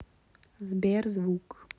сберзвук